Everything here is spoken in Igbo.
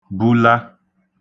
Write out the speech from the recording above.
bula